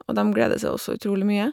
Og dem gleder seg også utrolig mye.